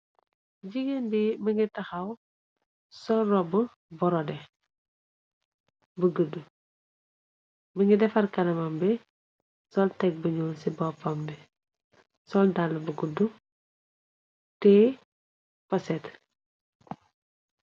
Jigéen bi mi ngi taxaw, sol robbu borode bu guddu, mi ngi defar kanamam bi, sool teg bu ñuul ci boppambi, sool dàlle bu guddu tiye poset.